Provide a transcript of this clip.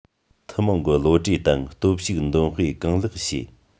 ཐུན མོང གི བློ གྲོས དང སྟོབས ཤུགས འདོན སྤེལ གང ལེགས བྱས